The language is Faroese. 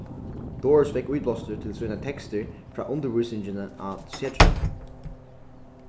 doris fekk íblástur til sínar tekstir frá undirvísingini á setrinum